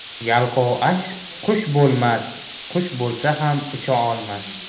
yalqov ash qush bo'lmas qush bo'lsa ham ucha olmas